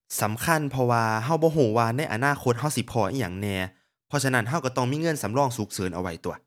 สำคัญ เพราะว่าเราบ่เราว่าในอนาคตเราสิพ้ออิหยังแหน่ เพราะฉะนั้นเราเราต้องมีเงินสำรองฉุกเฉินเอาไว้ตั่ว